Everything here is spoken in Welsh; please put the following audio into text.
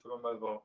Dwi'm yn meddwl.